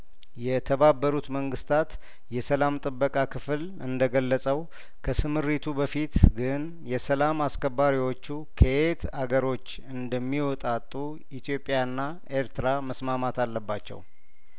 የተባበሩት መንግስታት የሰላም ጥበቃ ክፍል እንደገለጸው ከስምሪቱ በፊት ግን የሰላም አስከባሪዎቹ ከየት አገሮች እንደሚወጣጡ ኢትዮጵያና ኤርትራ መስማማት አለባቸው